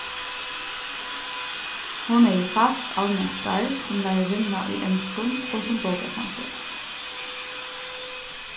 hon hevði fast alment starv sum lærarinna í enskum og sum bókasavnsvørður